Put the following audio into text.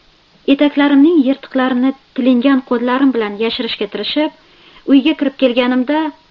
etaklarimning yirtiqlarini tilingan qo'llarim bilan yashirishga tirishib uyga kirib kelganimda